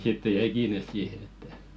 sitten jäi kiinni siihen että